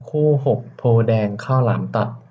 คู่หกโพธิ์แดงข้าวหลามตัด